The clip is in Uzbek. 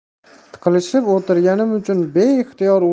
tiqilishib o'tirganim uchun beixtiyor